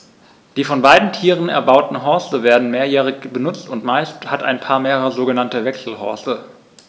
Die von beiden Tieren erbauten Horste werden mehrjährig benutzt, und meist hat ein Paar mehrere sogenannte Wechselhorste.